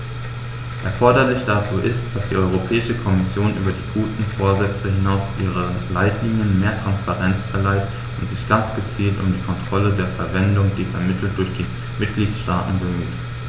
Erforderlich dazu ist, dass die Europäische Kommission über die guten Vorsätze hinaus ihren Leitlinien mehr Transparenz verleiht und sich ganz gezielt um die Kontrolle der Verwendung dieser Mittel durch die Mitgliedstaaten bemüht.